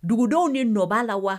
Dugudenw ni nɔgɔyabaa la wa